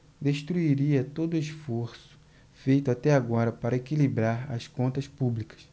destruiria todo esforço feito até agora para equilibrar as contas públicas